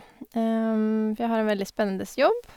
For jeg har en veldig spennende jobb.